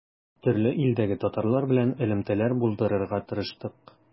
Төрле илдәге татарлар белән элемтәләр булдырырга тырыштык.